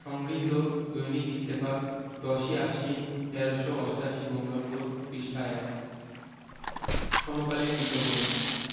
সংগৃহীত দৈনিক ইত্তেফাক ১০ই আশ্বিন ১৩৮৮ বঙ্গাব্দ পৃষ্ঠা ১ সমকালীন বিজ্ঞাপন